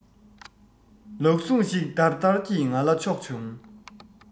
ལག ཟུང ཞིག འདར འདར གྱིས ང ལ ཕྱོགས བྱུང